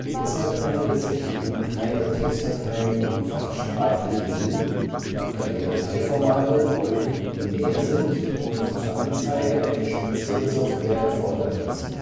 Deshalb handelt es sich um keine Textdateien im fachsprachlichen Sinn, da die Dateiformate häufig binär sind und zur Anzeige eine spezielle Software erforderlich ist